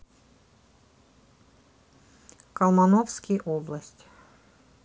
колмановский область